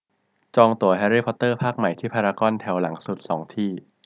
จองตั๋วแฮรี่พอตเตอร์ภาคใหม่ที่พารากอนแถวหลังสุดสองที่